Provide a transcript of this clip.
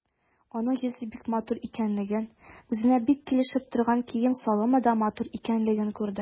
Аның йөзе бик матур икәнлеген, үзенә бик килешеп торган кием-салымы да матур икәнлеген күрде.